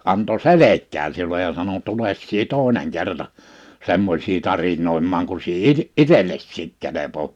antoi selkään sinulle ja sanoi tule sinä toinen kerta semmoisia tarinoimaan kun sinä - itsellesikin kelpaa